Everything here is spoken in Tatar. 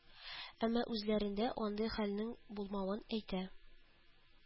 Әмма үзләрендә андый хәлнең булмавын әйтә